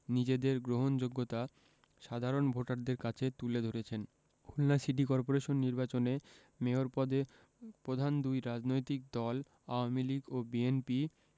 নিজেদের গ্রহণযোগ্যতা সাধারণ ভোটারদের কাছে তুলে ধরেছেন খুলনা সিটি করপোরেশন নির্বাচনে মেয়র পদে প্রধান দুই রাজনৈতিক দল আওয়ামী লীগ ও বিএনপি